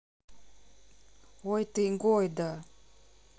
ой ты гой да